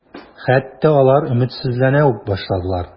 Хәтта алар өметсезләнә үк башладылар.